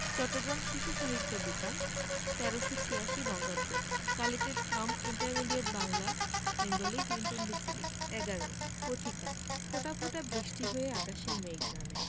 শহর চট্টগ্রাম শিশু সাহিত্য বিতান ১৩৮৬ পৃ ২০ ২১ Collected from Intermediate Bangla Bengali Clinton B Seely ১১ কথিকা ফোঁটা ফোঁটা বৃষ্টি হয়ে আকাশের মেঘ নামে